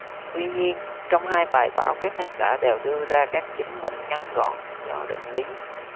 tuy nhiên trong hai bài báo các tác giả đều đưa ra các chứng minh ngắn gọn cho định lý